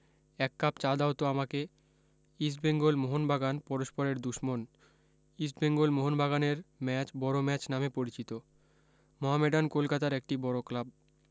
এক কাপ চা দাওতো আমাকে ইস্ট বেঙ্গল মোহন বাগান পরস্পরের দুষমন ইস্ট বেঙ্গল মোহন বাগানের ম্যাচ বড় ম্যাচ নামে পরিচিত মোহামেডান কলকাতার একটি বড় ক্লাব